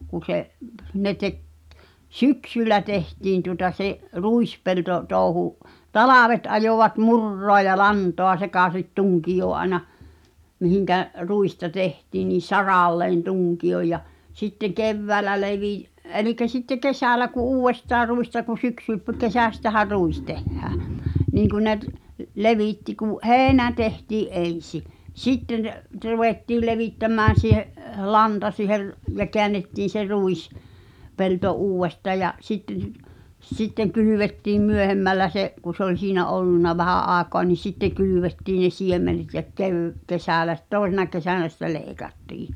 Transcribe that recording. kun se ne teki syksyllä tehtiin tuota se - ruispeltotouhu talvet ajoivat muraa ja lantaa sekaisin tunkioon aina mihin ruista tehtiin niin saralleen tunkion ja sitten keväällä - eli sitten kesällä kun uudestaan ruista kun - syksykesästähän ruis tehdään niin kun ne - levitti kun heinä tehtiin ensi sitten ruvettiin levittämään siihen lanta - ja käännettiin se - ruispelto uudestaan ja sitten sitten kylvettiin myöhemmällä se kun se oli siinä ollut vähän aikaa niin sitten kylvettiin ne siemenet ja - kesällä - toisena kesänä sitten leikattiin